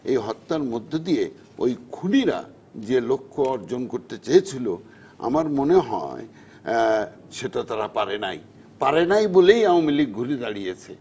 এই হত্যার মধ্য দিয়ে ওই খুনিরা যে লক্ষ্য অর্জন করতে চেয়েছিল আমার মনে হয় সেটা তারা পারে নাই পারে নাই বলেই আওয়ামী লীগ ঘুরে দাঁড়িয়েছে